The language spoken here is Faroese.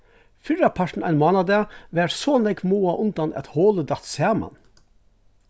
fyrrapartin ein mánadag var so nógv máað undan at holið datt saman